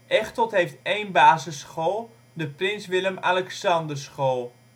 Echteld heeft één basisschool, de Prins Willem Alexanderschool